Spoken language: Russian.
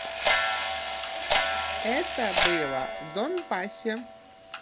это было в донбассе